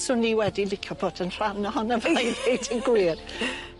Swn i wedi licio bod yn rhan ohono fe i ddeud y gwir.